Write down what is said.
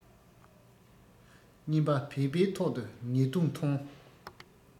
གཉིས པ བེས པའི ཐོག ཏུ ཉེས རྡུང ཐོང